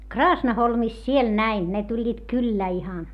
Kraasnaholmissa siellä näin ne tulivat kyllä ihan